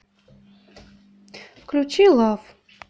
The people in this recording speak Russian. включи лав